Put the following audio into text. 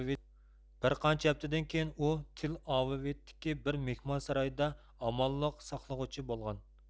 بىر قانچە ھەپتىدىن كېيىن ئۇ تېل ئاۋېۋتىكى بىر مىھمانسارايدا ئامانلىق ساقلىغۇچى بولغان